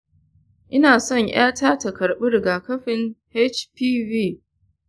ina son ƴata ta karɓi rigakafin hpv.